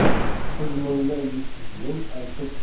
siz mulla yigitsiz men aytib